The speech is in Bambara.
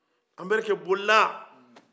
anbarike bolila